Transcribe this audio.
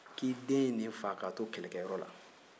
k'i den ye nin faga k'a to kɛlɛkɛyɔrɔ la